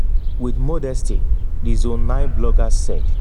With modesty, the Zone9 bloggers said: